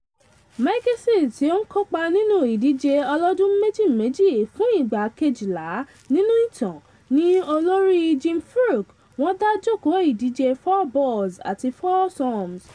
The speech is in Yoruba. Mickelson, tí ó ń kópa nínú ìdíje ọlọ́dún méjì méjì fún ìgbà 12 nínú ìtàn, ní olórí Jim Furyk wọ́n dá jókòó ìdíje fourballs àti foursomes.